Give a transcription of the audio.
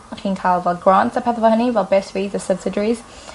'dych chi'n ca'l fel grant a pethe fel hynny fel bursaries a subsidiaries.